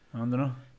O ydyn nhw?